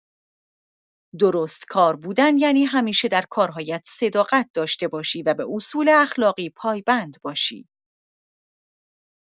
درستکار بودن یعنی همیشه در کارهایت صداقت داشته باشی و به اصول اخلاقی پایبند باشی.